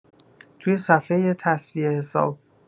توی صفحۀ تصویه حساب